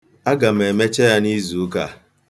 Aga m emecha ya n'izụụka a.